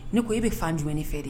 Ne ko e be fan jumɛn de fɛ de ?